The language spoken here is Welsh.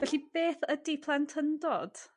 Felly beth ydi plentyndod?